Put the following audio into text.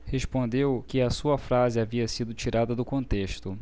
respondeu que a sua frase havia sido tirada do contexto